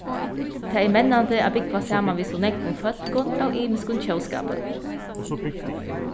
tað er mennandi at búgva saman við so nógvum fólkum av ymiskum tjóðskapi